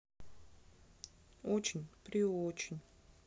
очень при очень